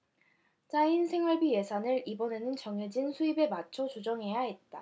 짜인 생활비 예산을 이번에는 정해진 수입에 맞춰 조정해야 했다